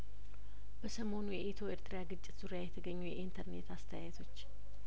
በሰሞኑ የኢትዮ ኤርትራ ግጭት ዙሪያየተገኙ የኢንተርኔት አስተያየቶች